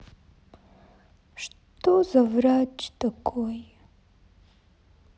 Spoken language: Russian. что за врач такой